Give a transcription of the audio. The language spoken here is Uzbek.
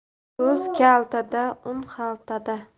so'z kaltada un xaltada